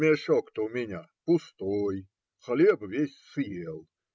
- Мешок-то у меня пустой, хлеб весь съел.